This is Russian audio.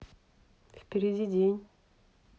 впереди день